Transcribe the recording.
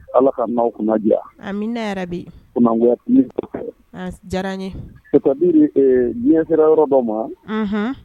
Ala ka n'aw kunna diya amina yɛrɛ bigo diyara n ye ka di diɲɛsira yɔrɔ dɔ ma